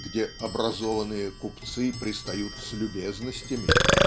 где "образованные купцы пристают с любезностями".